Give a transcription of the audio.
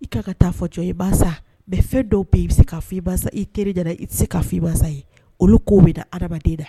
I k'an ka ta'a fɔ cɔ i mansa, mais fɛn dɔw bɛ yen i bɛ se k'a fɔ i mansa i teri ɲɛna da i tɛ se k'a fɔ i mansa ye, olu kow bɛ da hadamaden na